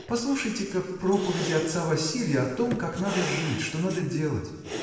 — Послушайте-ка проповеди отца Василья о том, как надо жить, что надо делать!